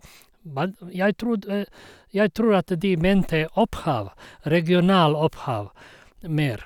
bald jeg trod Jeg tror at de mente opphav, regional opphav, mer.